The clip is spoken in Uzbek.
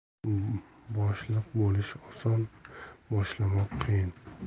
boshliq bo'lish oson boshlamoq qiyin